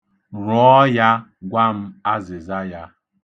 Rụọ ya gwa m azịza ya.